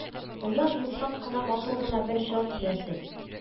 Куян йомшак кына, матур гына бер җан иясе